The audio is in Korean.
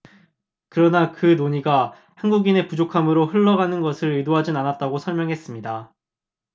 그러나 그 논의가 한국인의 부족함으로 흘러가는 것을 의도하진 않았다고 설명했습니다